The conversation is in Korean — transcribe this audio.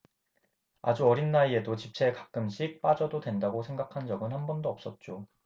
아주 어린 나이에도 집회에 가끔씩 빠져도 된다고 생각한 적은 한 번도 없었죠